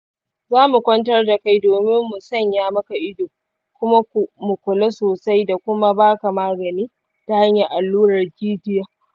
za mu kwantar da kai domin mu sanya maka ido kuma mu kula sosai da kuma baka magani ta hanyar allurar jijiya.